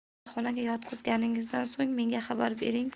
kasalxonaga yotqizganingizdan so'ng menga xabar bering